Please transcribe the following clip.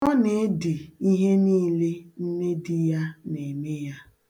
Ọ na-edi ihe niile nne di ya na-eme ya.